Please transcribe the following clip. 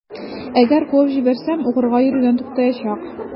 Әгәр куып җибәрсәм, укырга йөрүдән туктаячак.